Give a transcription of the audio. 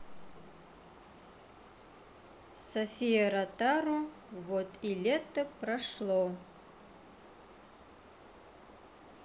софия ротару вот и лето прошло